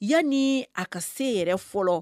Yani a ka se yɛrɛ fɔlɔ